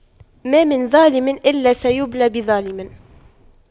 ما من ظالم إلا سيبلى بظالم